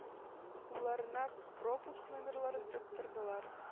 Кулларына пропуск номерлары тоттырдылар.